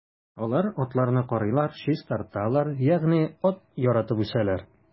Алар атларны карыйлар, чистарталар, ягъни ат яратып үсәләр.